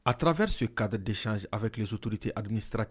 A tferi su kate desi ap kilo suurte a ni sara